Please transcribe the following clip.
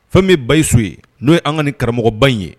Fɛn bɛ bayiso ye n'o an ka ni karamɔgɔba in ye